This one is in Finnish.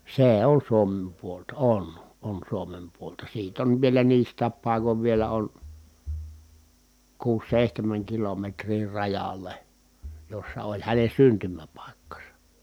se on Suomen puolta on on Suomen puolta siitä on vielä niistä paikoin vielä on kuusi seitsemän kilometriä rajalle jossa oli hänen syntymäpaikkansa